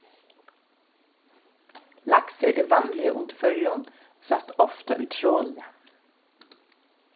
laksur er vanligur undir føroyum og sæst ofta í troli